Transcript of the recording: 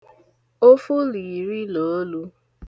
ofu là iri la olu